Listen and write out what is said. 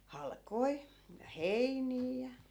halkoja ja heiniä ja